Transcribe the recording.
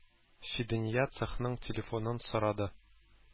Фидания цехның телефонын сорады.